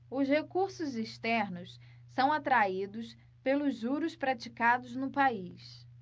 os recursos externos são atraídos pelos juros praticados no país